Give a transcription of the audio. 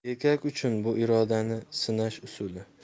erkak uchun bu irodani sinash usuli